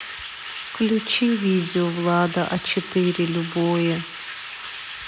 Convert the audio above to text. включи видео влада а четыре любое